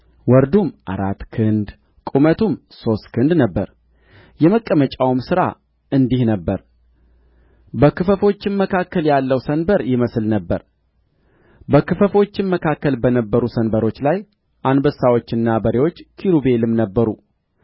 ወርዱም አራት ክንድ ቁመቱም ሦስት ክንድ ነበረ የመቀመጫውም ሥራ እንዲህ ነበረ በክፈፎችም መካከል ያለው ሰንበር ይመስል ነበር በክፈፎቹም መካከል በነበሩ ሰንበሮች ላይ አንበሳዎችና በሬዎች ኪሩቤልም ነበሩ